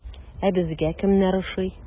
Ә безгә кемнәр ошый?